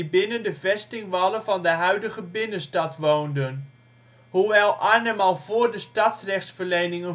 binnen de vestingwallen van de huidige binnenstad woonden. Hoewel Arnhem al voor de stadsrechtsverlening